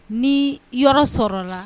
Ni yɔrɔ sɔrɔla la